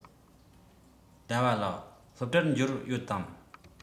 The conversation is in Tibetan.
ཟླ བ ལགས སློབ གྲྭར འབྱོར ཡོད དམ